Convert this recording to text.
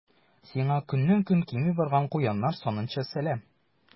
Сиңа көннән-көн кими барган куяннар санынча сәлам.